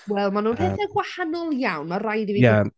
Wel, maen nhw'n pethau gwahanol iawn, mae'n rhaid i fi... Ie.